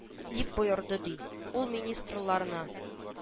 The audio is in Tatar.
— дип боерды, ди, ул министрларына